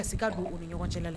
Ka sika don u ni ɲɔgɔn cɛ la la